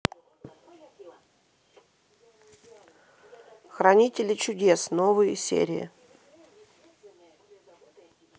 хранители чудес новые серии